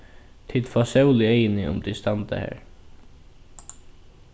tit fáa sól í eyguni um tit standa har